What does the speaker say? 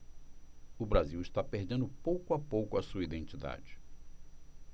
o brasil está perdendo pouco a pouco a sua identidade